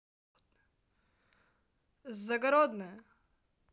загородная